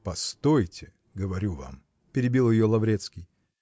-- Постойте, говорю вам, -- перебил ее Лаврецкий.